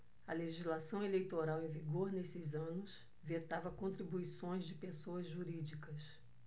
a legislação eleitoral em vigor nesses anos vetava contribuições de pessoas jurídicas